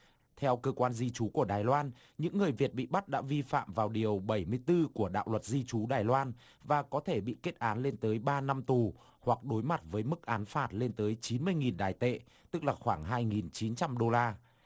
theo cơ quan di trú của đài loan những người việt bị bắt đã vi phạm vào điều bảy mươi tư của đạo luật di trú đài loan và có thể bị kết án lên tới ba năm tù hoặc đối mặt với mức án phạt lên tới chín mươi nghìn đài tệ tức là khoảng hai nghìn chín trăm đô la